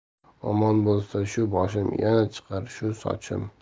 omon bo'lsa shu boshim yana chiqar shu sochim